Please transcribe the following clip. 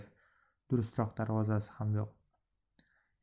durustroq darvozasi ham yo'q